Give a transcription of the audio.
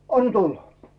anna tulla